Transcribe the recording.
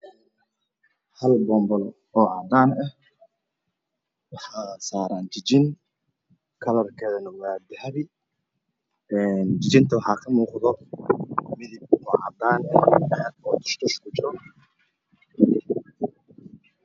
Hal boonbalo oo cadaan ah waxaa saaran jijin kalarkeedu waa dahabi jijinta waxaa kamuuqdo cadaan yariisa oo kujiro.